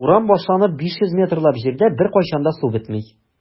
Урам башланып 500 метрлап җирдә беркайчан да су бетми.